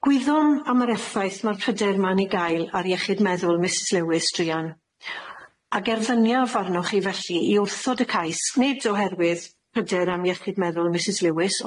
Gwyddwn am yr effaith ma'r pryder ma'n ei gael ar iechyd meddwl Misys Lewis druan, a gerddynia ofarnwch chi felly i wrthod y cais, nid oherwydd pryder am iechyd meddwl Misys Lewis,